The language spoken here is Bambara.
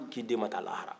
k'i den ma taa lahara